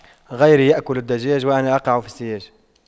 غيري يأكل الدجاج وأنا أقع في السياج